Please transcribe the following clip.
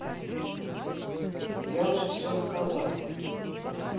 я уже все заказал